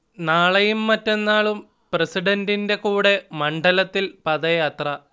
നാളെയും മറ്റന്നാളും പ്രസിഡന്റിന്റെ കൂടെ മണ്ഡലത്തിൽ പദയാത്ര